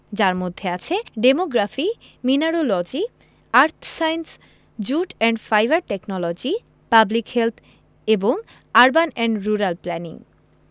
যার মধ্যে আছে demography mineralogy earth science jute and fibre technology public health এবং আরবান অ্যান্ড রুরাল প্ল্যানিং